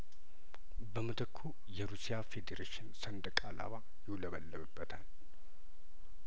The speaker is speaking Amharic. በምትኩ የሩሲያ ፌዴሬሽን ሰንደቅ አላማ ይውለበለብ በታል